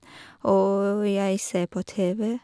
Og jeg se på TV.